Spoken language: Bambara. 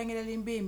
Kelenlen bɛ yen